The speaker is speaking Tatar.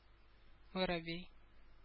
Воробей